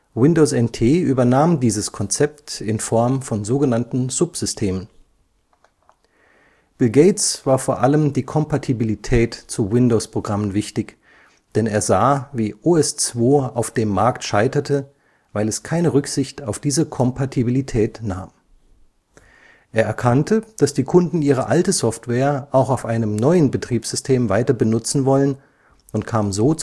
Windows NT übernahm dieses Konzept in Form von sogenannten Subsystemen. Bill Gates war vor allem die Kompatibilität zu Windows-Programmen wichtig, denn er sah, wie OS/2 auf dem Markt scheiterte, weil es keine Rücksicht auf diese Kompatibilität nahm. Er erkannte, dass die Kunden ihre alte Software auch auf einem neuen Betriebssystem weiter benutzen wollen und kam so